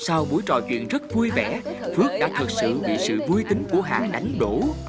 sau buổi trò chuyện rất vui vẻ phước đã thật sự bị sự vui tính của hà đánh đổ